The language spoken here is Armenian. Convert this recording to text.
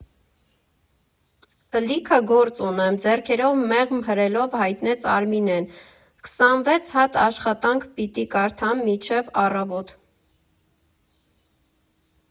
Լիքը գործ ունեմ, ֊ ձեռքերով մեղմ հրելով հայտնեց Արմինեն, ֊ քսանվեց հատ աշխատանք պիտի կարդամ մինչև առավոտ։